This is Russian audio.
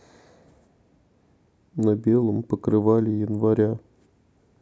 на белом покрывале января